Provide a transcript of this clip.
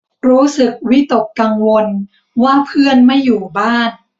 รู้สึกวิตกกังวลว่าเพื่อนไม่อยู่บ้าน